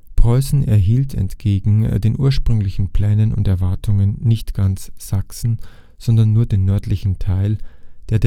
Preußen erhielt entgegen den ursprünglichen Plänen und Erwartungen nicht ganz Sachsen, sondern nur den nördlichen Teil, der